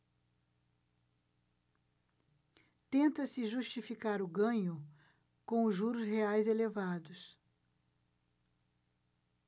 tenta-se justificar o ganho com os juros reais elevados